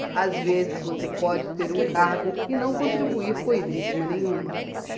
às vezes você pode ter um cargo e não contribuir coisíssima nenhuma